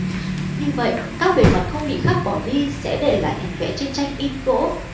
như vậy các bề mặt không bị khắc bỏ đi sẽ để lại hình vẽ trên tranh in gỗ